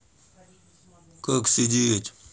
как сидеть